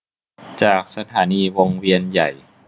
จากสถานีวงเวียนใหญ่